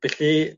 Felly